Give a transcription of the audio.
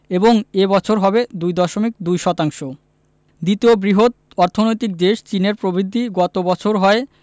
এবং এ বছর হবে ২.২ শতাংশ দ্বিতীয় বৃহৎ অর্থনৈতিক দেশ চীনের প্রবৃদ্ধি গত বছর হয়